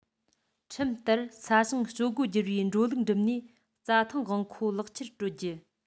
ཁྲིམས ལྟར ས ཞིང སྤྱོད སྒོ བསྒྱུར བའི འགྲོ ལུགས འགྲིམས ནས རྩྭ ཐང དབང ཁོངས ལག ཁྱེར སྤྲོད རྒྱུ